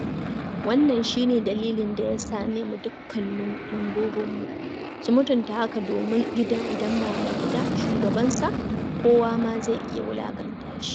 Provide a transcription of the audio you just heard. Wannan shi ne dalilin da ya sa na nemi dukkanin mambobinmu su mutunta haka domin gida idan ba maigida (shugabansa) kowa ma zai iya wulaƙanta shi.